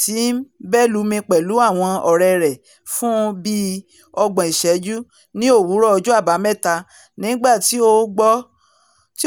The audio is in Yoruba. ti ńbẹ́lumi pẹ̀lú àwọn ọ̀rẹ́ rẹ fún bíi ϙgbòn ìṣẹjú ní òwúrọ̀ ọjọ́ Àbámẹ́ta nígbàtí